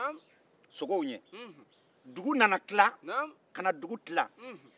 dugu nana tila